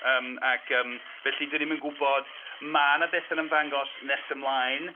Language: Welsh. Yym ac yym felly dan ni'm yn gwybod. Mae 'na bethau yn ymddangos nes ymlaen.